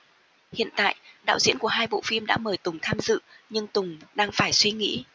hiện tại đạo diễn của hai bộ phim đã mời tùng tham dự nhưng tùng đang phải suy nghĩ